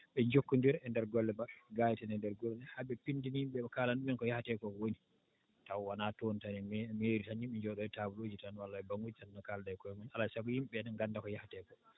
ɓe jokkonndira e ndeer golle maɓɓe gaa tene e ndeer gure maɓɓe haa ɓe pinndini yimɓe ɓe kaalana ɗumen ko yahetee koo ko woni taw wonaa toon tan e mai mairie yimɓe njooɗo e table uuji tan walla e baŋuuji tan ne kaalda e koye mumen alaa e sago yimɓe ne ngannda ko yahetee koo